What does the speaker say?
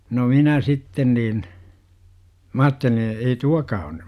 no minä sitten niin minä ajattelin ei tuokaan ole nyt